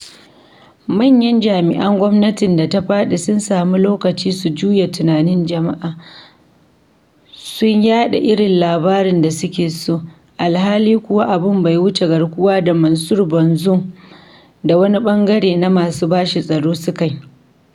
Manyan jami'an gwamnatin da ta fadi sun samu lokaci su juya tunanin jama'a sun yaɗa irin labarin da suke so, alhali kuwa abin bai wuce garkuwa da Monsieur Bazoum da wani bangare na masu bashi tsaro sukai.